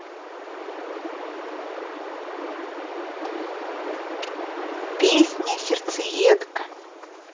песня сердцеедка